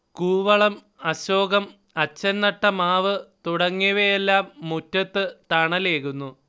കൂവളം, അശോകം, അച്ഛൻ നട്ട മാവ് തുടങ്ങിയവയെല്ലാം മുറ്റത്ത് തണലേകുന്നു